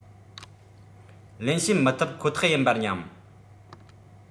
ལེན བྱེད མི ཐུབ ཁོ ཐག ཡིན པར སྙམ